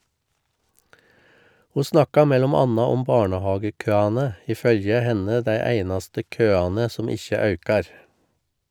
Ho snakka mellom anna om barnehagekøane , i følgje henne dei einaste køane som ikkje aukar.